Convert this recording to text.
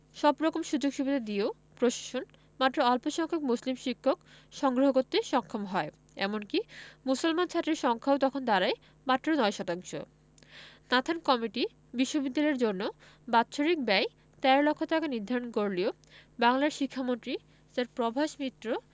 সব রকম সুযোগসুবিধা দিয়েও প্রশাসন মাত্র অল্পসংখ্যক মুসলিম শিক্ষক সংগ্রহ করতে সক্ষম হয় এমনকি মুসলমান ছাত্রের সংখ্যাও তখন দাঁড়ায় মাত্র ৯ শতাংশ নাথান কমিটি বিশ্ববিদ্যালয়ের জন্য বাৎসরিক ব্যয় ১৩ লক্ষ টাকা নির্ধারণ করলেও বাংলার শিক্ষামন্ত্রী স্যার প্রভাস মিত্র